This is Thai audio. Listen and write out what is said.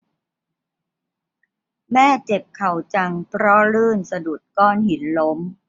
แม่เจ็บเข่าจังเพราะลื่นสะดุดก้อนหินล้ม